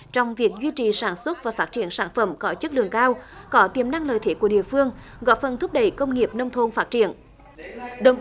trong việc duy trì sản xuất và phát triển sản phẩm có chất lượng cao có tiềm năng lợi thế của địa phương góp phần thúc đẩy công nghiệp nông thôn phát triển đồng